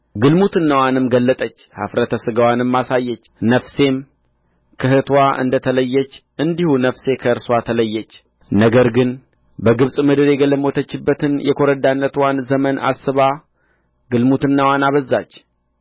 ግልሙትናዋንም ገለጠች ኅፍረተ ሥጋዋንም አሳየች ነፍሴም ከእኅትዋ እንደ ተለየች እንዲሁ ነፍሴ ከእርስዋ ተለየች ነገር ግን በግብጽ ምድር የገለሞተችበትን የኰረዳነትዋን ዘመን አስባ ግልሙትናዋን አበዛች